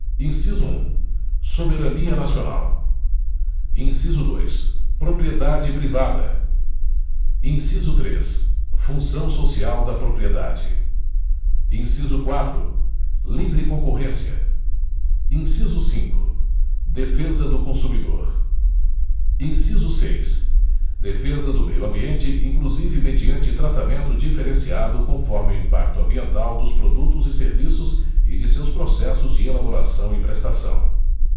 inciso um soberania nacional inciso dois propriedade privada inciso três função social da propriedade inciso quatro livre concorrência inciso cinco defesa do consumidor inciso seis defesa do meio ambiente inclusive mediante tratamento diferenciado conforme o impacto ambiental dos produtos e serviços e de seus processos de elaboração e prestação